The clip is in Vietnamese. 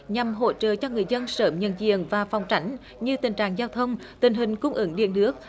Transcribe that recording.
nhằm hỗ trợ cho người dân sớm nhận diện và phòng tránh như tình trạng giao thông tình hình cung ứng điện nước